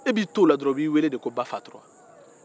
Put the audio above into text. e b'i t'o la dɔrɔn u b'i weele de ko ba fatura